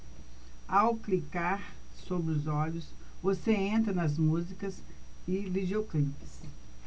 ao clicar sobre os olhos você entra nas músicas e videoclipes